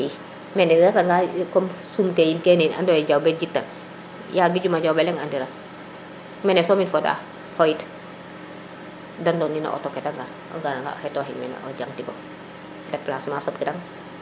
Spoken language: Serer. i mene o mofa nga comme sump ke yiin kene yiin ande jawbe im jik tan ya gi juma jawbe o leŋ andiran mene soom um foda xoyit de ndonin no auto ke de ngar a ngara nga o xetoxin mene o janga ti gof deplacement soɓ kirang